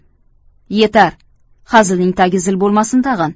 yetar hazilning tagi zil bo'lmasin tag'in